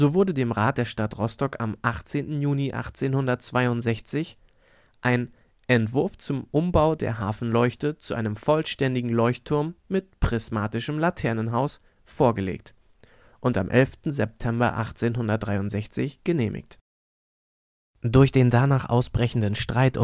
wurde dem Rat der Stadt Rostock am 18. Juni 1862 ein „ Entwurf zum Umbau der Hafenleuchte zu einem vollständigen Leuchtturm mit prismatischem Laternenhaus “vorgelegt und am 11. September 1863 genehmigt. Durch den danach ausbrechenden Streit